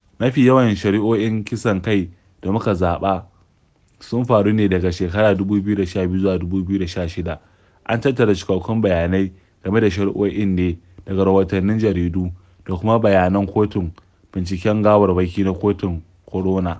Mafi yawan shari'o'in kisan kai da muka zaba sun faru ne daga shekarar 2012 zuwa 2016. An tattara cikakkun bayanai game da shari'o'in ne daga rahotannin jaridu da kuma bayanan kotun binciken gawarwaki na kotun Coroner